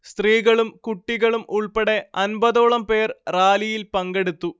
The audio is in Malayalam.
സ്ത്രീകളും കുട്ടികളും ഉൾപ്പെടെ അൻപതോളം പേർ റാലിയിൽ പങ്കെടുത്തു